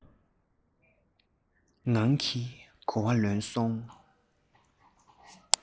ངང གིས གོ བ ལོན སོང